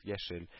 Яшел